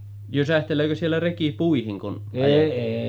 Jysähteleekö siellä reki puihin kun ajetaan